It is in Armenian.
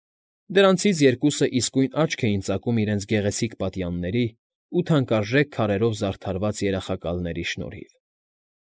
Դրանցից երկուսն իսկույն աչք էին ծակում իրենց գեղեցիկ պատյանների ու թանկարժեք քարերով զարդարված երախակալների շնորհիվ։